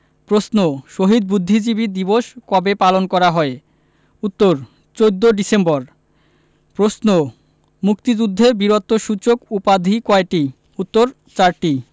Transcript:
প্রশ্ন শহীদ বুদ্ধিজীবী দিবস কবে পালন করা হয় উত্তর ১৪ ডিসেম্বর প্রশ্ন মুক্তিযুদ্ধে বীরত্বসূচক উপাধি কয়টি উত্তর চারটি